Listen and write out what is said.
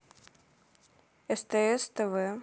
стс тв